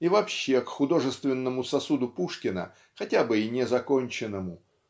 И вообще к художественному сосуду Пушкина хотя бы и незаконченному